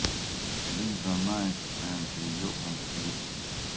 liza nice and ее конфликты